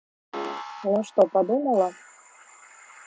ну что подумала